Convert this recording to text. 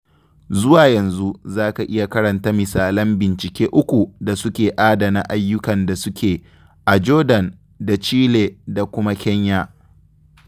Zuwa yanzu za ka iya karanta misalan bincike uku da suke adana ayyukan da suke a Jordan da Chile da kuma Kenya.